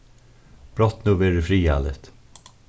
brátt nú verður friðarligt